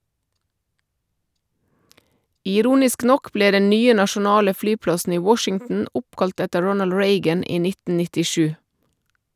Ironisk nok ble den nye nasjonale flyplassen i Washington oppkalt etter Ronald Reagan i 1997.